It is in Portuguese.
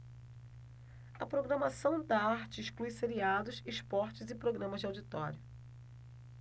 a programação da arte exclui seriados esportes e programas de auditório